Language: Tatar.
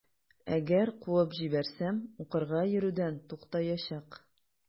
Әгәр куып җибәрсәм, укырга йөрүдән туктаячак.